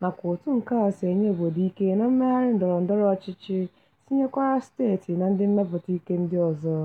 nakwa otu nke a si enye obodo ike na mmegharị ndọrọndọrọ ọchịchị tinyekwara steeti na ndị mmepụta ike ndị ọzọ.